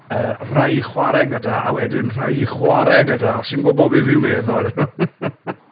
Yy rai i chwarae gyda, a wedyn rhai i chwarae gyda, os ti'n gwybod be fi'n meddwl .